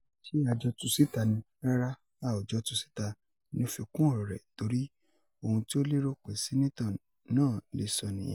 Ṣé a jọ tu síta ni...Rárá, a ò jọ tu síta,” ni ó fi kún ọ̀rọ̀ ẹ̀, torí ohun tí ó lérò pé Sínátọ̀ náà lè sọ nìyẹn.